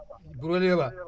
Gurel Yoga